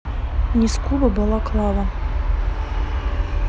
нискуба балаклава